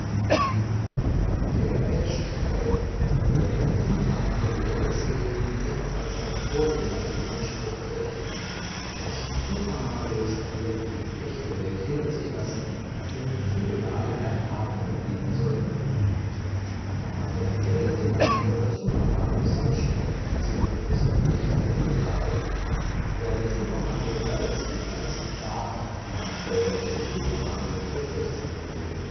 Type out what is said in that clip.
Der Edge zufolge werde Super Mario Galaxy mehr noch als seine Vorgänger dem Anspruch gerecht, dass Super-Mario-Spiele die echte Welt hinter sich lassen und surreale Erfahrungen bieten sollten. Da der direkte Nachfolger Super Mario Sunshine diese Prämisse nicht erfüllt habe, werde Super Mario Galaxy als „ wahrer “Nachfolger zu Super Mario 64 angesehen